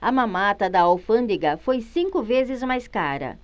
a mamata da alfândega foi cinco vezes mais cara